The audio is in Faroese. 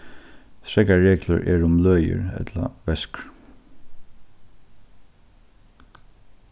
strangar reglur er um løgir ella veskur